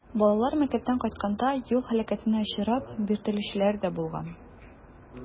Балалар мәктәптән кайтканда юл һәлакәтенә очрап, биртелүчеләр дә булган.